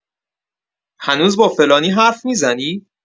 هنوز با فلانی حرف می‌زنی؟